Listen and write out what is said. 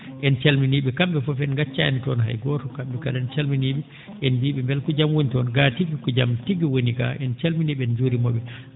en caliminii ?e kam?e fof en ngaccaani toon hay gooto kam?e kala en calminii ?e en mbiyii ?e mbela ko jam woni toon gaa tigi ko jam tigi woni gaa en calminii ?e en njuuriima ?e